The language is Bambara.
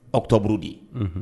Aw bɛtɔuru de ye